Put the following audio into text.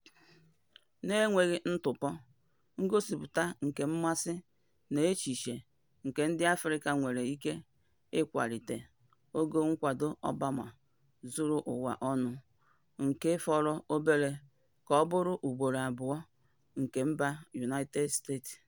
N'enweghị ntụpọ, ngosịpụta nke mmasị n'echiche nke ndị Afrịka nwere ike ịkwalite ogo nkwado Obama zuru ụwa ọnụ, nke fọrọ obere ka ọ bụrụ ugboro abụọ nke mba United States.